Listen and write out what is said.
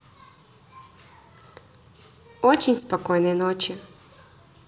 очень спокойной ночи